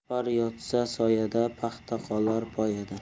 rahbar yotsa soyada paxta qolar poyada